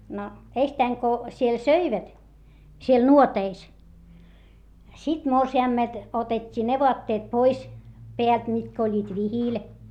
no ensittäin kun siellä söivät siellä nuoteissa sitten morsiamelta otettiin ne vaatteet pois päältä mitkä olivat vihillä